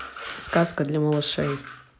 сказка для малышей